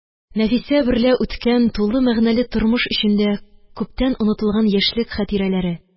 Нәфисә берлә үткән тулы мәгънәле тормыш эчендә күптән онытылган яшьлек хатирәләре,